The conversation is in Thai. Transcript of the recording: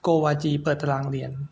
โกวาจีเปิดตารางเรียน